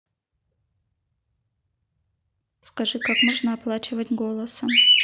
скажи как можно оплачивать голосом